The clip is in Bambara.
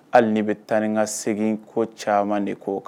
Hali bɛ taa ni ka segin ko caman de ko oo kan